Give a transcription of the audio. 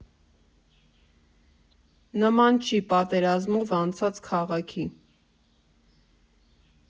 Նման չի պատերազմով անցած քաղաքի։